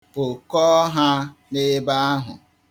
Kpokọọ ha n'ebe ahụ.